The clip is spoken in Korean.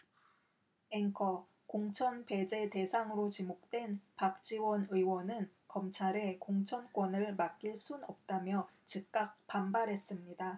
앵커 공천 배제 대상으로 지목된 박지원 의원은 검찰에 공천권을 맡길 순 없다며 즉각 반발했습니다